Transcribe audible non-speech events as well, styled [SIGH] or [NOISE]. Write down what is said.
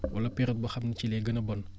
[NOISE] wala période boo xam ne ci lay gën a bon